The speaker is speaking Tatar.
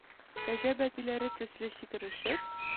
Кәҗә бәтиләре төсле сикерешеп,